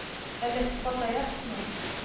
Әллә сез дә картаясызмы